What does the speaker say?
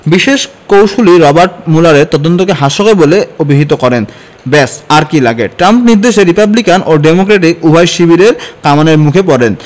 বিশেষ কৌঁসুলি রবার্ট ম্যুলারের তদন্তকে হাস্যকর বলে অভিহিত করেন ব্যস আর কী লাগে ট্রাম্প নিজ দেশে রিপাবলিকান ও ডেমোক্রেটিক উভয় শিবিরের কামানের মুখে পড়েন